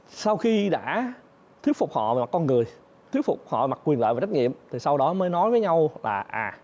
sau khi đã thuyết phục họ về mặt con người thuyết phục họ về mặt quyền lợi và trắc nhiệm thì sau đó mới nói với nhau là à